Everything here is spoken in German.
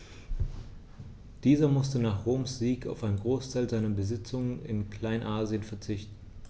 Dieser musste nach Roms Sieg auf einen Großteil seiner Besitzungen in Kleinasien verzichten.